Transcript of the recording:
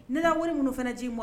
Ne ka wari minnu fana ji mɔ